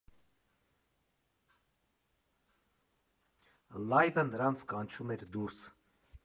Լայվը նրանց կանչում էր դուրս։